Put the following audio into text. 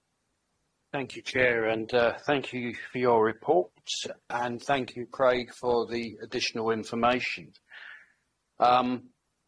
Thank you chair and yy thank you for your report. And thank you Craig for the additional information. Um.